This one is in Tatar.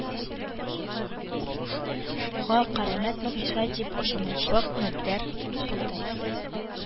Га кәрамәт-могҗиза дип ышанырлык наданнар, бундай